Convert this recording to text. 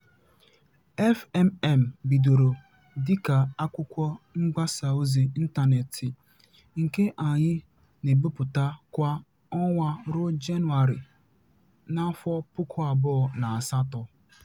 FMM bidoro dịka akwụkwọ mgbasa ozi ịntanetị, nke anyị na-ebipụta kwa ọnwa ruo Janụwarị 2008.